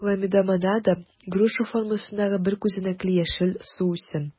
Хламидомонада - груша формасындагы бер күзәнәкле яшел суүсем.